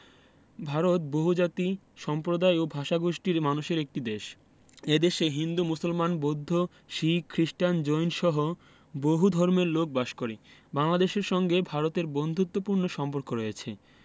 ভারত বহুজাতি সম্প্রদায় ও ভাষাগোষ্ঠীর মানুষের একটি দেশ এ দেশে হিন্দু মুসলমান বৌদ্ধ শিখ খ্রিস্টান জৈনসহ বহু ধর্মের লোক বাস করে বাংলাদেশের সঙ্গে ভারতের বন্ধুত্তপূর্ণ সম্পর্ক রয়ছে